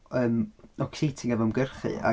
Yym o exciting efo ymgyrchu ac...